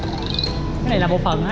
cái này là phần hả em